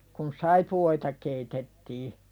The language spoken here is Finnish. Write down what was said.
kun saippuoita keitettiin